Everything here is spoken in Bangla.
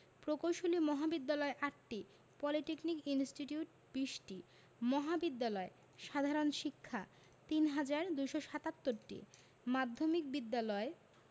প্রকৌশল মহাবিদ্যালয় ৮টি পলিটেকনিক ইনস্টিটিউট ২০টি মহাবিদ্যালয় সাধারণ শিক্ষা ৩হাজার ২৭৭টি মাধ্যমিক বিদ্যালয়